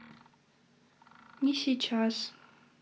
не сейчас